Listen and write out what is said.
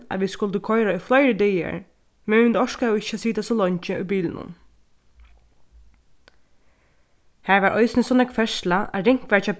at vit skuldu koyra í fleiri dagar men vit orkaðu ikki at sita so leingi í bilinum har var eisini so nógv ferðsla at ringt var hjá